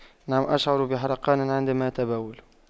نعم أشعر بحرقان عندما أتبول